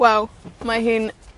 Waw, mae hi'n